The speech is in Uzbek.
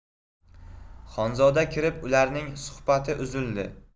xonzoda kirib ularning suhbati uzildi